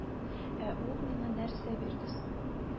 Ә ул миңа нәрсә бирде соң